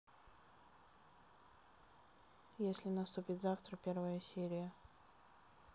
если наступит завтра первая серия